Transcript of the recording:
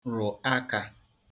rụ̀ akā